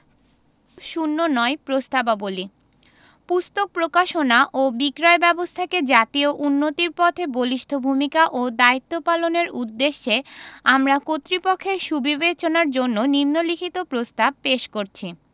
০৯ প্রস্তাবাবলী পুস্তক প্রকাশনা ও বিক্রয় ব্যাবস্থাকে জাতীয় উন্নতির পথে বলিষ্ঠ ভূমিকা ও দায়িত্ব পালনের উদ্দেশ্যে আমরা কর্তৃপক্ষের সুবিবেচনার জন্য নিন্ম লিখিত প্রস্তাব পেশ করছি